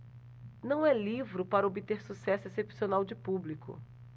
não é livro para obter sucesso excepcional de público